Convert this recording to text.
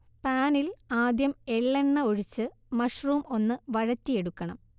പാനിൽ ആദ്യം എള്ളെണ്ണ ഒഴിച്ച് മഷ്റൂം ഒന്ന് വഴറ്റിയെടുക്കണം